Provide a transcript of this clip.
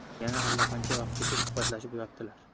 yana allaqancha vaqtgacha suhbatlashib yotdilar